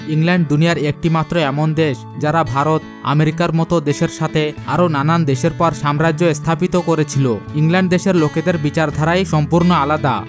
England দুনিয়ার একটি মাত্র এমন দেশ যারা ভারত আমেরিকার মত দেশের সাথে আরো নানান দেশের পর সাম্রাজ্য স্থাপিত করেছিল ইংল্যান্ড দেশের লোকেদের বিচারধারা সম্পূর্ণ আলাদা